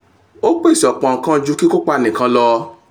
Ó pèsè ọ̀pọ̀ ǹkan jú kíkopa nìkan lọ."